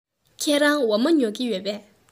ཁྱེད རང འོ མ ཉོ གི ཡོད པས